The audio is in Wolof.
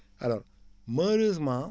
alors malheureusement